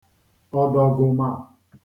ọ̀dọ̀gụ̀mà